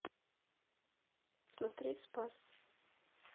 смотреть спас